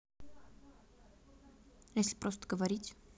а если просто говорить